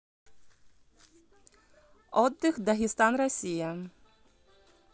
отдых дагестан россия